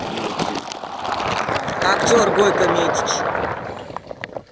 актер гойко митич